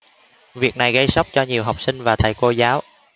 việc này gây sốc cho nhiều học sinh và thầy cô giáo